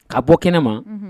Ka bɔ kɛnɛ ma